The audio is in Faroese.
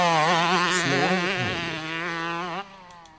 smæruteigur